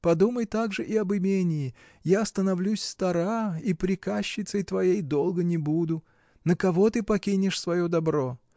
Подумай также и об имении: я становлюсь стара и приказчицей твоей долго не буду: на кого ты покинешь свое добро?